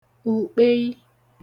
ùkpei